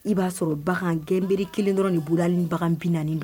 I b'a sɔrɔ bagan gɛnbri kelen dɔrɔn nin bula ni bagan bi naani bɛɛ